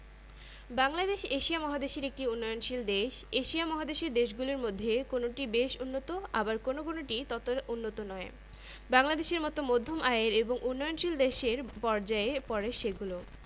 Bangladesh Asia মহাদেশের একটি উন্নয়নশীল দেশ এশিয়া মহাদেশের দেশগুলোর মধ্যে কোনটি বেশ উন্নত আবার কোনো কোনোটি তত উন্নত নয় বাংলাদেশের মতো মধ্যম আয়ের এবং উন্নয়নশীল দেশের পর্যায়ে পড়ে সেগুলো